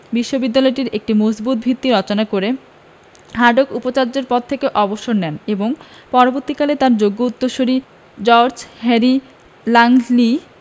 বিশ্ববিদ্যালয়টির একটি মজবুত ভিত রচনা করে হার্টগ উপাচার্যের পদ থেকে অবসর নেন এবং পরবর্তীকালে তাঁর যোগ্য উত্তরসূরি জর্জ হ্যারি ল্যাংলি